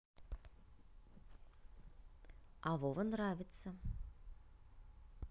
а вова нравится